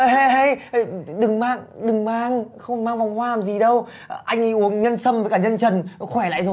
hây hây hây đừng mang đừng mang không cần mang vòng hoa làm gì đâu anh ý uống nhân sâm với cả nhân trần khỏe lại rồi